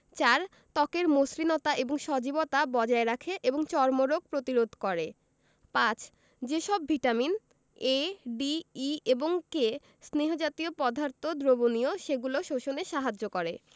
৪. ত্বকের মসৃণতা এবং সজীবতা বজায় রাখে এবং চর্মরোগ প্রতিরোধ করে ৫. যে সব ভিটামিন A D E এবং K স্নেহ জাতীয় পদার্থ দ্রবণীয় সেগুলো শোষণে সাহায্য করে